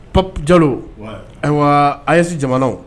Papi jalo ayiwa a'se jamana